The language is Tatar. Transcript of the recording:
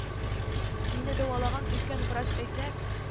Мине дәвалаган өлкән врач әйтә